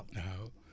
waaw